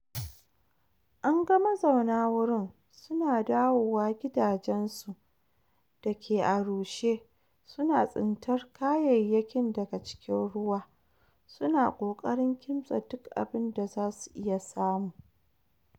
An ga mazauna wurin su na dawowa gidaje su da ke a rushe, su na tsintar kayayyakin daga cikin ruwa, su na ƙoƙarin kimtsa duk abin da zasu iya samu.